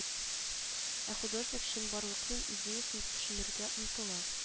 Ә художник чынбарлыкның идеясенә төшенергә омтыла